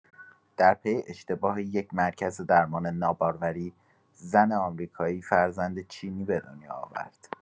در پی اشتباه یک مرکز درمان ناباروری، زن آمریکایی فرزند چینی به دنیا آورد